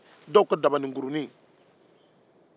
dɔw ko dabaninkurunin